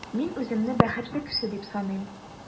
Мин үземне бәхетле кеше дип саныйм.